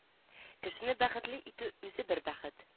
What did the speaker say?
Кешене бәхетле итү - үзе бер бәхет